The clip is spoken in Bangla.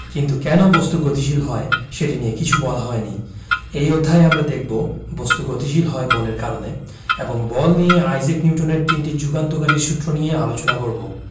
কিন্তু কেন বস্তু গতিশীল হয় সেটি নিয়ে কিছু বলা হয়নি এই অধ্যায়ে আমরা দেখব বস্তু গতিশীল হয় বলের কারণে এবং বল নিয়ে আইজাক নিউটনের তিনটি যুগান্তকারী সূত্র নিয়ে আলোচনা করব